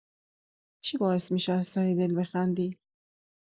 چی باعث می‌شه از ته دل بخندی؟